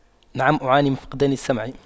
نعم أعاني من فقدان السمع